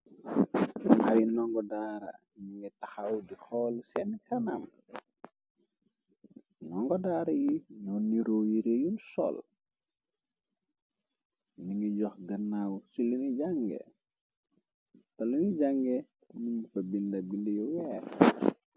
Aryi ndongo daara yinu ngi taxaw di xoolu seeni kanam, yinongo daara yi ñoon niroo yi reeyu sol, yini ngi jox gannaaw ci lunu jange, te luñu jànge kunumu fa binda binde yu weex.